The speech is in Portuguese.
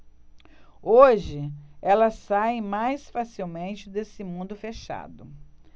hoje elas saem mais facilmente desse mundo fechado